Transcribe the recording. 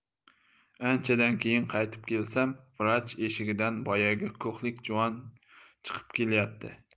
anchadan keyin qaytib kelsam vrach eshigidan boyagi ko'hlik juvon chiqib kelyapti